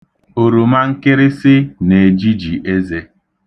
Oromankịrịsị na-ejiji eze.